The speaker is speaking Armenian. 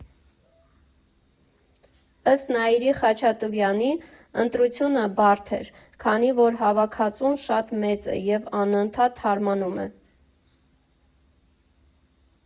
Ըստ Նայիրի Խաչատուրեանի՝ ընտրությունը բարդ էր, քանի որ հավաքածուն շատ մեծ է և անընդհատ թարմանում է։